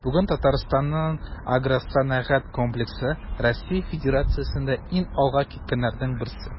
Бүген Татарстанның агросәнәгать комплексы Россия Федерациясендә иң алга киткәннәрнең берсе.